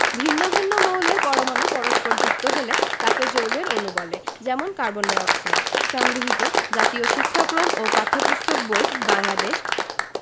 ভিন্ন ভিন্ন মৌলের পরমাণু পরস্পর যুক্ত হলে তাকে যৌগের অণু বলে যেমন কার্বন ডাই অক্সাইড সংগৃহীত জাতীয় শিক্ষাক্রম ও পাঠ্যপুস্তক বোর্ড বাংলাদেশ